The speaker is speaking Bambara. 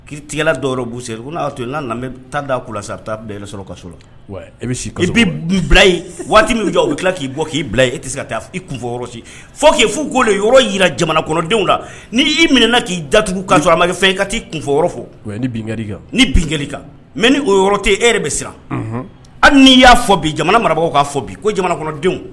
K'ila dɔw yɔrɔ' sera n to n' nana bɛ taa da' ku la taa sɔrɔ ka sɔrɔ e i bɛ bilayi waati min' jɔ u tila k'i bɔ k'i bila e tɛ se ka taa i kun si fo k' fo yɔrɔ jira jamana kɔnɔdenw la n''i minɛ k'i daugu ka sɔrɔ a makɛ fɛ i ka taa ii kunfɔ fɔ kan ni bin kan mɛ ni o te e yɛrɛ bɛ siran hali n'i y'a fɔ bi jamana marabagaw k'a fɔ bi ko jamana kɔnɔdenw